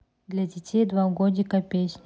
для детей два годика песня